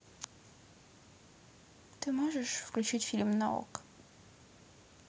ты можешь включить фильм на окко